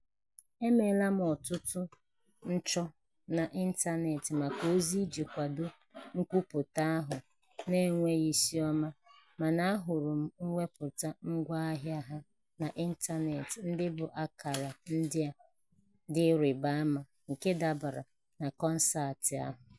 Emeela m ọtụtu nchọ n'ịntaneetị maka ozi iji kwado nkwupụta ahụ na-enweghị isiọma mana ahụrụ m mwepụta ngwaahịa ha n'ịntaneetị ndị bu ákàrà ndị a dị ịrịbaama, nke dabara na kọnseetị ahụ...